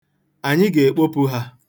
Anyị ga-ekpopụ ha.